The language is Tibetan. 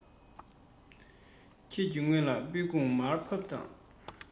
རང གི སྔོན ལ དཔེ ཁུག མར ཕབ དང